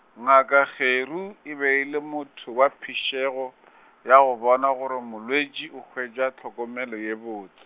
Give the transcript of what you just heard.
ngaka Kgeru e be e le motho wa phišego, ya go bona gore molwetši o hwetša tlhokomelo ye bots-.